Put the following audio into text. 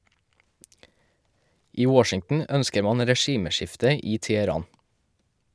I Washington ønsker man regimeskifte i Teheran.